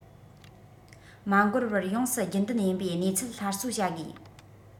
མ འགོར བར ཡོངས སུ རྒྱུན ལྡན ཡིན པའི གནས ཚུལ སླར གསོ བྱ དགོས